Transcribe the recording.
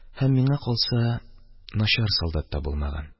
Һәм, миңа калса, начар солдат та булмаган.